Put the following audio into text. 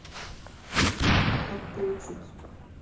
как получить